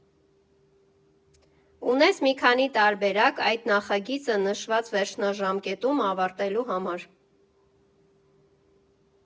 Ունես մի քանի տարբերակ այդ նախագիծը նշված վերջնաժամկետում ավարտելու համար։